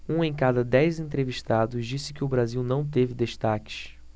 um em cada dez entrevistados disse que o brasil não teve destaques